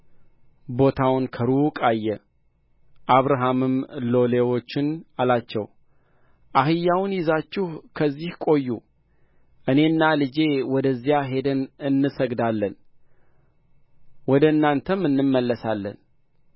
ቦታውን ከሩቅ አየ አብርሃምም ሎሌዎቹን አላቸው አህያውን ይዛችሁ ከዚህ ቆዩ እኔና ልጄ ወደዚያ ሄደን እንሰግዳለን ወደ እናንተም እንመለሳለን